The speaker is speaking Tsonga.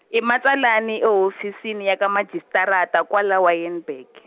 imatsalani ehofisini ya ka majisitarata kwala Wynberg.